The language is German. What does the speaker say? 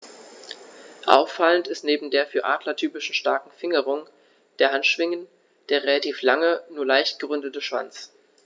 Auffallend ist neben der für Adler typischen starken Fingerung der Handschwingen der relativ lange, nur leicht gerundete Schwanz.